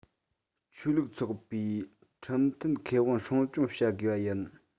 ཆོས ལུགས ཚོགས པའི ཁྲིམས མཐུན ཁེ དབང སྲུང སྐྱོང བྱ དགོས པ ཡིན